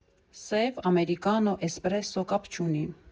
Սև, ամերիկանո, էսպրեսո՝ կապ չունի։